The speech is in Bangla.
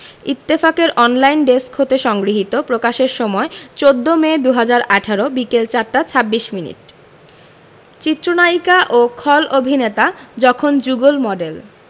ইত্তেফাক এর অনলাইন ডেস্ক হতে সংগৃহীত প্রকাশের সময় ১৪মে ২০১৮ বিকেল ৪টা ২৬ মিনিট চিত্রনায়িকা ও খল অভিনেতা যখন যুগল মডেল